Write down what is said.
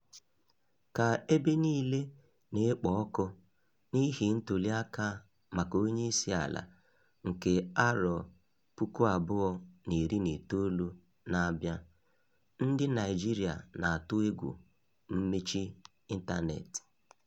Ka ebe niile na-ekpo ọkụ n'ihi ntụliaka maka onyeisiala nke 2019 na-abịa, ndị Naịjirịa na-atụ egwu mmechi ịntanet